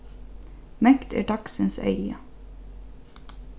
mangt er dagsins eyga